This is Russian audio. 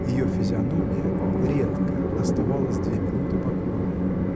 Ее физиономия редко оставалась две минуты покойною.